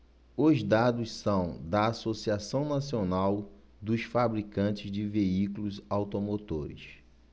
os dados são da anfavea associação nacional dos fabricantes de veículos automotores